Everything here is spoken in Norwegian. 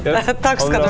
yes, ha det bra.